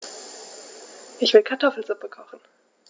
Ich will Kartoffelsuppe kochen.